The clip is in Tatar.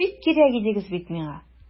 Сез бик кирәк идегез бит миңа!